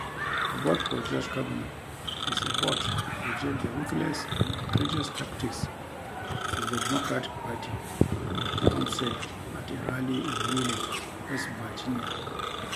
"A vote for Judge Kavanaugh is a vote to reject the ruthless and outrageous tactics of the Democratic Party," Trump said at a rally in Wheeling, West Virginia.